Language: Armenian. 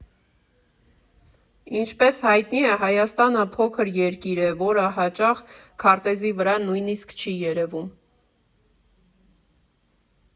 Ինչպես հայտնի է, Հայաստանը փոքր երկիր է, որը հաճախ քարտեզի վրա նույնիսկ չի երևում։